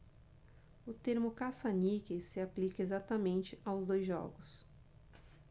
o termo caça-níqueis se aplica exatamente aos dois jogos